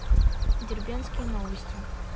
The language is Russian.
дербентские новости